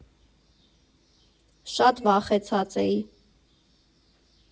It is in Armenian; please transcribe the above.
Շատ վախեցած էի։